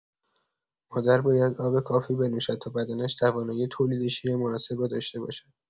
مادر باید آب کافی بنوشد تا بدنش توانایی تولید شیر مناسب را داشته باشد.